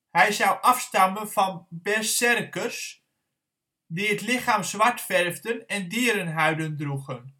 hij zou afstammen van berserkers, die het lichaam zwart verfden en dierenhuiden droegen